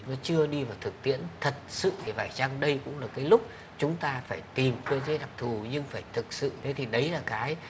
nó chưa đi vào thực tiễn thật sự thì phải chăng đây cũng là cái lúc chúng ta phải tìm cơ chế đặc thù nhưng phải thực sự thế thì đấy là cái